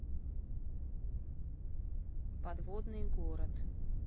подводный город